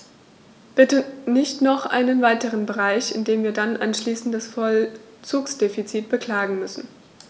Bitte nicht noch einen weiteren Bereich, in dem wir dann anschließend das Vollzugsdefizit beklagen müssen.